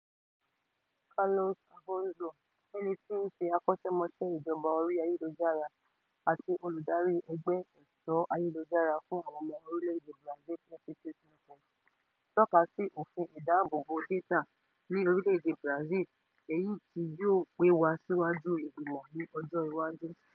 Carlos Afonso, ẹni tí í ṣe akọ́ṣẹ́mọṣẹ́ ìjọba orí ayélujára àti olùdarí ẹgbẹ́ ẹ̀tọ́ Ayélujára fún àwọn ọmọ orílẹ̀ èdè Brazil Institute Nupef, tọ́ka sí Òfin ìdáàbòbo Dátà ní orílẹ̀ èdè Brazil, èyí tí wọn yóò gbé wá síwájú ìgbìmọ̀ ní ọjọ́ iwájú.